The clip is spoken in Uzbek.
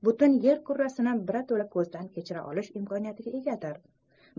butun yer kurrasini birato'la ko'zdan kechira olish imkoniyatiga egadir